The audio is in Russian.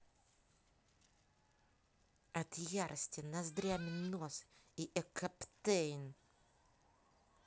от ярости ноздрями нос и a captain